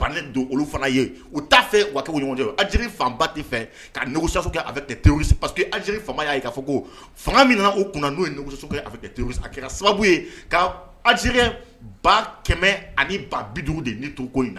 bannen don olu fana ye u t'a fɛ wa ɲɔgɔn cɛ aj fanba tɛ fɛ kasaso a pa que faama y'a'a ko fanga min o kun n'o yeso a a sababu ye kazsekɛ ba kɛmɛ ani ba bidugu de ni to in na